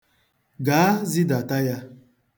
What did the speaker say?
Gaa, zidata ya.